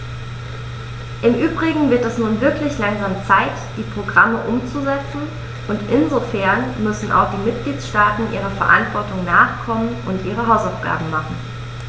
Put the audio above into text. Im übrigen wird es nun wirklich langsam Zeit, die Programme umzusetzen, und insofern müssen auch die Mitgliedstaaten ihrer Verantwortung nachkommen und ihre Hausaufgaben machen.